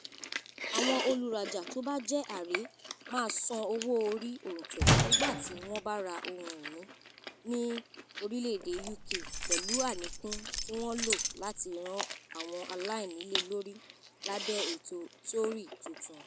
Àwọn olùrajà tó bá jẹ́ àrè máa san owó orí òǹtẹ̀ nígbàtí wọ́n bá ra ohun iní ní UK pẹ̀lú àníkún tí wọ́n lò láti ran àwọn aláìnílélórí lábẹ̀ ètò Tory tuntun